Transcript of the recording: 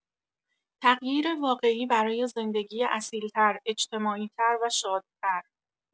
تغییر واقعی برای زندگی اصیل‌تر، اجتماعی‌تر و شادتر